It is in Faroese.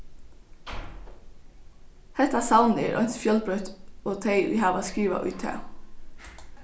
hetta savnið er eins fjølbroytt og tey ið hava skrivað í tað